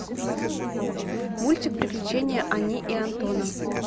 мультик приключения ани и антона